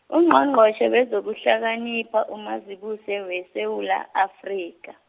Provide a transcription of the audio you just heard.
Ungqongqotjhe wezokuhlakanipha, uMazibuse weSewula Afrika.